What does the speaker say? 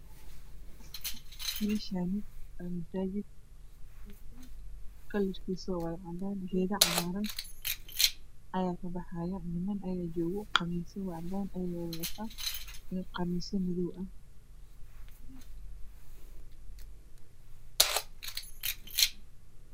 Meshani waa masajid kalarkisa waa cadan geedo cagar aya ka baxayo niman aya jogo khamisyo cadan ayey watan iyo khamisyo madow ah